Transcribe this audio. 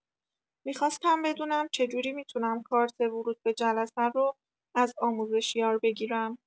می‌خاستم بدونم چجوری می‌تونم کارت ورود به جلسه رو از آموزشیار بگیرم؟